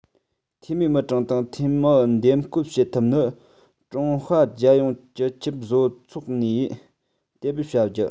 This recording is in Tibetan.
འཐུས མིའི མི གྲངས དང འཐུས མི འདེམས བསྐོ བྱེད ཐབས ནི ཀྲུང ཧྭ རྒྱལ ཡོངས སྤྱི ཁྱབ བཟོ ཚོགས ནས གཏན འབེབས བྱ རྒྱུ